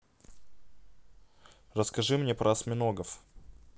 расскажи мне про осьминогов